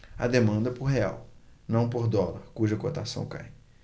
há demanda por real não por dólar cuja cotação cai